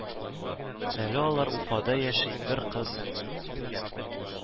Әле алар Уфада яши, бер кыз